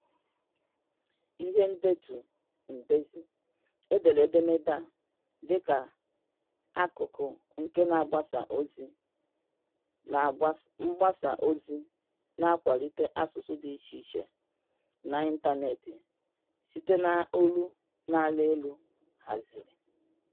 Ihe ndetu ndezi: Edere edemede a dị ka akụkụ nke mgbasa ozi mgbasa ozi na-akwalite asụsụ dị iche iche n'ịntanetị site na Rising Voices haziri.